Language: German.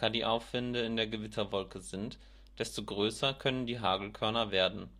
die Aufwinde in der Gewitterwolke sind, desto größer können die Hagelkörner werden